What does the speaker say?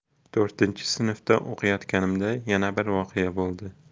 to'rtinchi sinfda o'qiyotganimda yana bir voqea bo'ldi